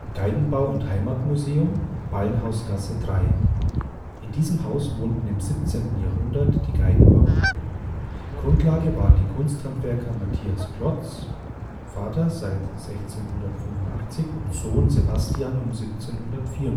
Geigenbau - und Heimatmuseum, Ballenhausgasse 3. In diesem Haus wohnten im 17. Jahrhundert die Geigenbauer. Grundlage waren die Kunsthandwerker Matthias Klotz (Vater, seit 1685) und Sohn Sebastian (um 1754